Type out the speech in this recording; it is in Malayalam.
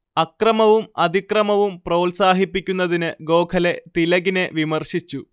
അക്രമവും അതിക്രമവും പ്രോത്സാഹിപ്പിക്കുന്നതിന് ഗോഖലെ തിലകിനെ വിമർശിച്ചു